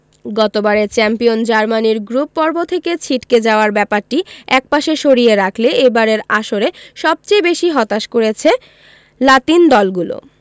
গতবারের চ্যাম্পিয়ন জার্মানির গ্রুপপর্ব থেকে ছিটকে যাওয়ার ব্যাপারটি একপাশে সরিয়ে রাখলে এবারের আসরে সবচেয়ে বেশি হতাশ করেছে লাতিন দলগুলো